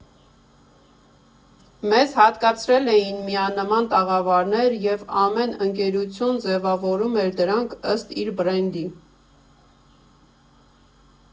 Մեզ հատկացրել էին միանման տաղավարներ և ամեն ընկերություն ձևավորում էր դրանք ըստ իր բրենդի։